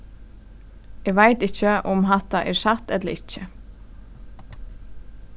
eg veit ikki um hatta er satt ella ikki